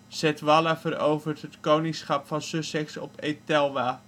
Cedwalla verovert het koningschap van Sussex op Ethelwalh